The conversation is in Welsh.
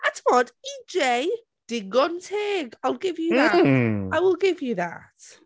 A timod? I Jay, digon teg, I'll give you that... Mmm!... I will give you that.